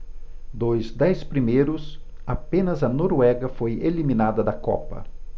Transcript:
dos dez primeiros apenas a noruega foi eliminada da copa